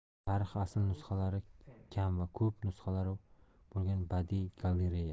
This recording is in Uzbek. tarix asl nusxalari kam va ko'p nusxalari bo'lgan badiiy galereya